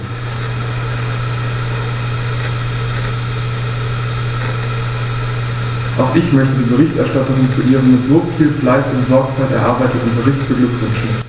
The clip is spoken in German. Auch ich möchte die Berichterstatterin zu ihrem mit so viel Fleiß und Sorgfalt erarbeiteten Bericht beglückwünschen.